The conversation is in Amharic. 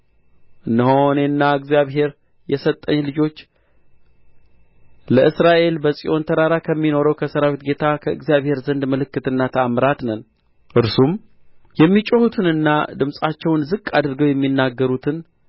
እነሆ እኔና እግዚአብሔር የሰጠኝ ልጆች ለእስራኤል በጽዮን ተራራ ከሚኖረው ከሠራዊት ጌታ ከእግዚአብሔር ዘንድ ምልክትና ተአምራት ነን እነርሱም የሚጮኹትንና ድምፃቸውን ዝቅ አድርገው የሚናገሩትን